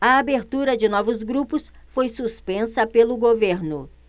a abertura de novos grupos foi suspensa pelo governo